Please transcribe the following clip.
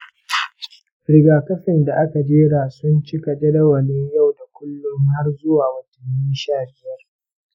rigakafin da aka jera sun cika jadawalin yau da kullum har zuwa watanni sha biyar.